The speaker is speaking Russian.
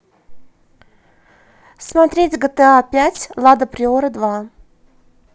смотреть гта пять лада приора два